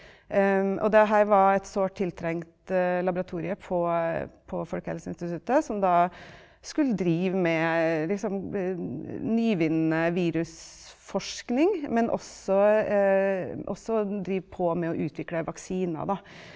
og det her var et sårt tiltrengt laboratorium på på Folkehelseinstituttet som da skulle drive med liksom nyvinnende virusforskning, men også også drive på med å utvikle vaksiner da.